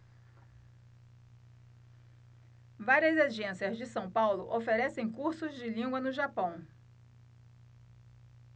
várias agências de são paulo oferecem cursos de língua no japão